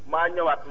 maalaykum salaam